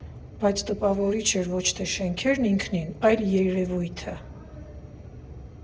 Բայց տպավորիչ էր ոչ թե շենքն ինքնին, այլ երևույթը.